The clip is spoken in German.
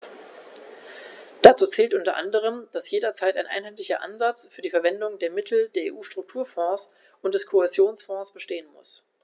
Dazu zählt u. a., dass jederzeit ein einheitlicher Ansatz für die Verwendung der Mittel der EU-Strukturfonds und des Kohäsionsfonds bestehen muss.